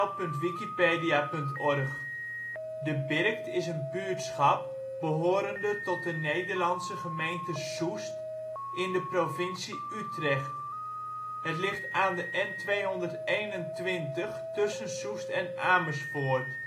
09 ' NB 5° 19 ' OL De Birkt Buurtschap in Nederland Situering Provincie Utrecht Gemeente Utrecht Coördinaten 52° 10′ NB, 5° 20′ OL Portaal Nederland Beluister (info) De Birkt is een buurtschap behorende tot de Nederlandse gemeente Soest, in de provincie Utrecht. Het ligt aan de N221 tussen Soest en Amersfoort